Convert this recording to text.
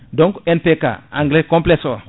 donc MPK engrais complexe o